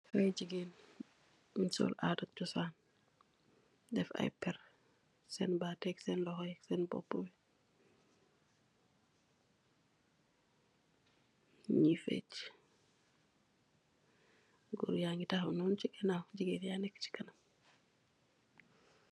Haley yu gegain. Bunj shol adda chosan. Deff ayye perr sen Baat yee, shen loho yee, shen bopaaye nyui fecha. Gorr yee nyughe tahaw nonu sii ganhaw. Gegain yaa neka si kanham.